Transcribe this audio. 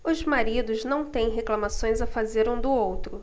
os maridos não têm reclamações a fazer um do outro